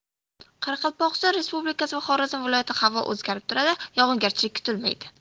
qoraqalpog'iston respublikasi va xorazm viloyatida havo o'zgarib turadi yog'ingarchilik kutilmaydi